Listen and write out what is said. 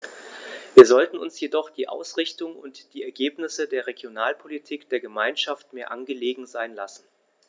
Wir sollten uns jedoch die Ausrichtung und die Ergebnisse der Regionalpolitik der Gemeinschaft mehr angelegen sein lassen.